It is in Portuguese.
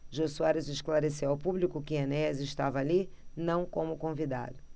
jô soares esclareceu ao público que enéas estava ali não como convidado